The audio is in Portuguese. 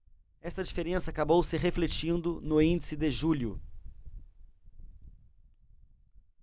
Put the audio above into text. esta diferença acabou se refletindo no índice de julho